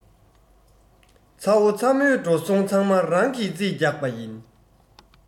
ཚ བོ ཚ མོའི འགྲོ སོང འགྲོ སོང ཚང མ རང གིས རྩིས རྒྱག པ ཡིན